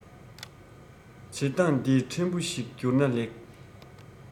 བྱེད བཏང འདི ཕྲན བུ ཞིག རྒྱུར ན ལེགས